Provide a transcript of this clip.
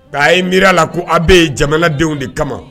Nka a ye mi la ko aw bɛ ye jamanadenw de kama